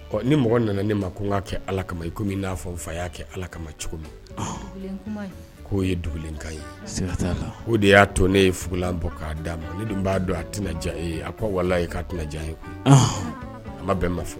Ni mɔgɔ nana ne ma ko n'a kɛ ala kama i komi min n'a fɔ fa a y'a kɛ ala kama cogo min k'o ye dugu ka ye se la o de y'a to ne yeugulan bɔ k'a d'a ma ne b'a don a tija ye a ko wala ye'a tɛnajan ye a ma bɛn ma fɛ